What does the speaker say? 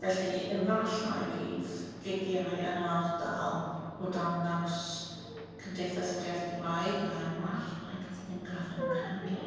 Felly, efallai bydd gigiau yn yr ardal o dan naws Cymdeithas yr Iaith Gymraeg. Ac efallai bydd Bwncath yn canu.